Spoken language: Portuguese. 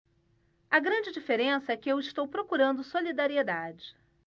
a grande diferença é que eu estou procurando solidariedade